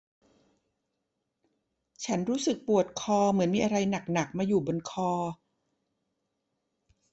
ฉันรู้สึกปวดคอเหมือนมีอะไรหนักหนักมาอยู่บนคอ